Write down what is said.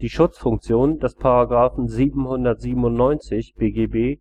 Die Schutzfunktion des § 797 BGB